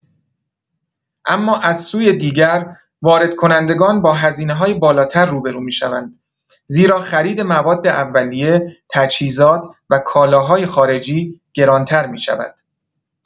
اما از سوی دیگر واردکنندگان با هزینه‌های بالاتر روبه‌رو می‌شوند، زیرا خرید مواد اولیه، تجهیزات و کالاهای خارجی گران‌تر می‌شود.